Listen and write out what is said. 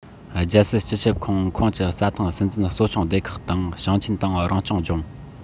རྒྱལ སྲིད སྤྱི ཁྱབ ཁང ཁོངས ཀྱི རྩྭ ཐང སྲིད འཛིན གཙོ སྐྱོང སྡེ ཁག དང ཞིང ཆེན དང རང སྐྱོང ལྗོངས